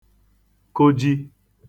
kụji